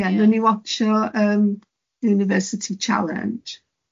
Ie nawn ni watsio yym University Challenge.